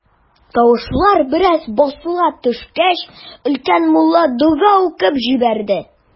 Тавышлар бераз басыла төшкәч, өлкән мулла дога укып җибәрде.